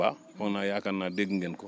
baax foog naayaakaar naa dégg ngeen ko